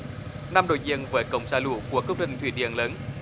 năm đối diện với cổng xả lũ của công trình thủy điện lớn